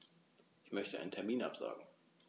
Ich möchte einen Termin absagen.